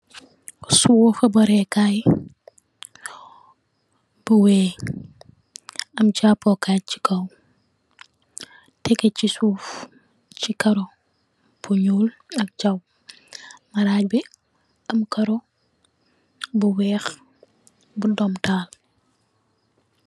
Sewo fubere kaye bu wen am japukaye se kaw tegeh se suuf se karou bu nuul ak jaw marage be am karou bu weex bu dom taal.